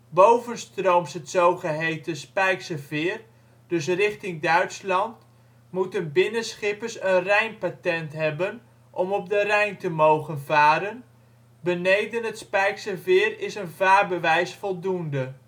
Bovenstrooms het zogeheten Spijkse Veer, dus richting Duitsland, moeten binnenschippers een rijnpatent hebben om op de Rijn te mogen varen. Beneden het Spijkse Veer is een vaarbewijs voldoende